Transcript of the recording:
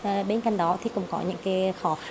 bên cạnh đó thì cũng có những cái khó